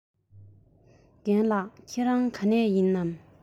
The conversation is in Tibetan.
རྒན ལགས ཁྱེད རང ག ནས ཡིན ན